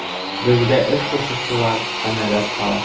Безгә эш кушучылар канәгать кала.